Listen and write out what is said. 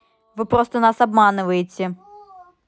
вы просто нас обманываете